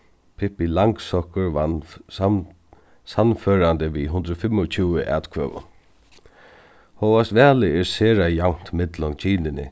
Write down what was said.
pippi langsokkur vann sannførandi við hundrað og fimmogtjúgu atkvøðum hóast valið er sera javnt millum kynini